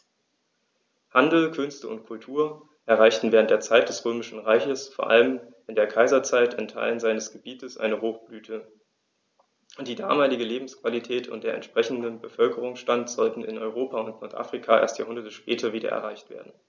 Handel, Künste und Kultur erreichten während der Zeit des Römischen Reiches, vor allem in der Kaiserzeit, in Teilen seines Gebietes eine Hochblüte, die damalige Lebensqualität und der entsprechende Bevölkerungsstand sollten in Europa und Nordafrika erst Jahrhunderte später wieder erreicht werden.